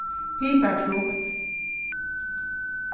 piparfrukt